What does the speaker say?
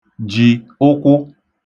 jì ụkwụ